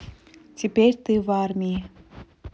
теперь ты в армии